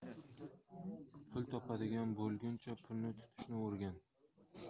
pul topadigan bo'lguncha pulni tutishni o'rgan